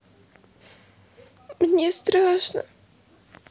мне страшно